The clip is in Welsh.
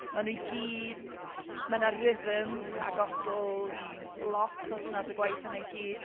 Maen nhw i gyd, mae 'na rhythm, ac odl i lot, os nad y gwaith yna i gyd.